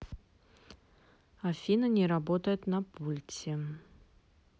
афина не работает на пульте